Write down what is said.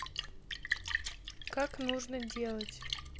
как нужно делать